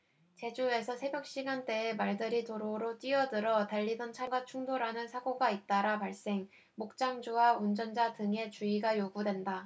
제주에서 새벽시간대에 말들이 도로로 뛰어들어 달리던 차량과 충돌하는 사고가 잇따라 발생 목장주와 운전자 등의 주의가 요구된다